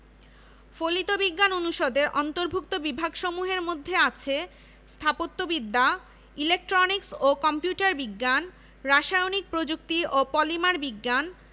কেন্দ্রীয় গ্রন্থাগারটি local area network L A N এর সাথে যুক্ত এবং বিশ্বের সেরা গ্রন্থাগারসমূহের সাথে একে যুক্ত করার পরিকল্পনা রয়েছে